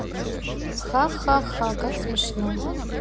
ха ха ха как смешно